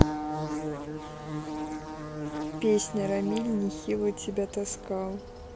песня рамиль нехило тебя таскал